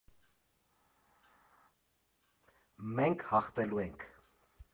Մենք հաղթելու ենք։